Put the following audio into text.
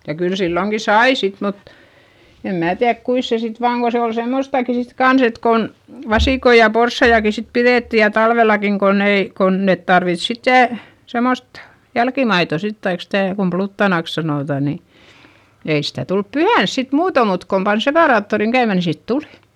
ja kyllä silloinkin sai sitten mutta en minä tiedä kuinka se sitten vain kun se oli semmoistakin sitten kanssa että kun vasikoita ja porsaitakin sitten pidettiin ja talvellakin kun ei kun ne tarvitsi sitten semmoista jälkimaitoa sitten tai sitä kun pluttanaksi sanotaan niin ei sitä tullut pyhänä sitten muuten mutta kun pani separaattorin käymään niin sitten tuli